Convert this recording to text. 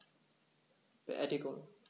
Beerdigung